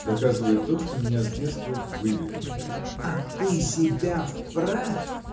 -- Доказывает то, что меня с детства вывихнули. -- А ты себя вправь!